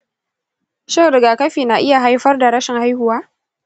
shin rigakafi na iya haifar da rashin haihuwa?